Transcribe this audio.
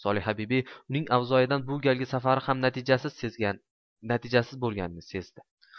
solihabibi uning avzoyidan bu galgi safari ham natijasiz bo'lganini sezdi